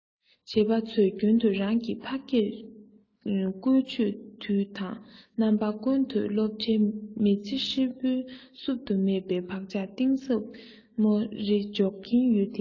བྱིས པ ཚོས རྒྱུན དུ རང གི ཕ སྐད བཀོལ སྤྱོད དུས དང རྣམ པ ཀུན ཏུ སློབ གྲྭའི མི ཚེ ཧྲིལ པོར བསུབ ཏུ མེད པའི བག ཆགས གཏིང ཟབ མོ རེ འཇོག གིན ཡོད དེ